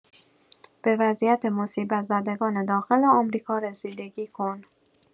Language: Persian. به وضعیت مصیبت زدگان داخل آمریکا رسیدگی کن